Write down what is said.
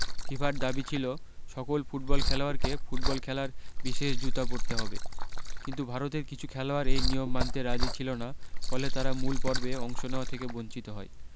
ফিফার দাবি ছিল সকল ফুটবল খেলোয়াড়কে ফুটবল খেলার বিশেষ জুতা পরতে হবে কিন্তু ভারতের কিছু খেলোয়াড় এই নিয়ম মানতে রাজি ছিলনা ফলে তারা মূলপর্বে অংশ নেওয়া থেকে বঞ্চিত হয়